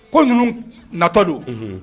Ko ninnu natɔ don